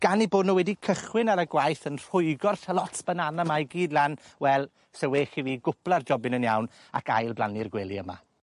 gan 'u bo' n'w wedi cychwyn ar y gwaith yn rhwygo'r shallots banana 'ma i gyd lan wel se well i mi gwpla'r jobyn yn iawn ac ail blannu'r gwely yma.